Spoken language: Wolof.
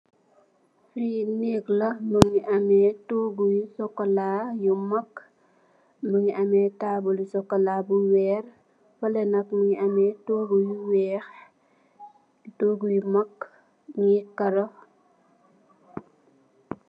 Li nekk la Mungi ameh togu yu sokola yu makk Mungi ameh tabuli sokola bu weer feleh nak Mungi ameh togu yu weih togu yu makk Mungi kaaro.